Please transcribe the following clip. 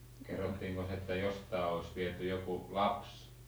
kerrottiinkos että jostakin olisi viety joku lapsi